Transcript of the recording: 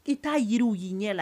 I t' yiriw' ɲɛ la